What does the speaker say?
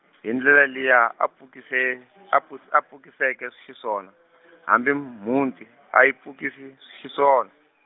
hi ndlela liya a pfukise-, a pfu-, a pfukiseke xiswona , hambi mhunti, a yi pfukisi, xiswona.